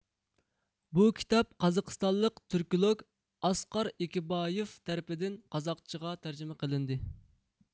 بۇ كىتاب قازاقىستانلىق تۈركولوگ ئاسقار ئېگېۋبايېۋ تەرىپىدىن قازاقچىغا تەرجىمە قىلىندى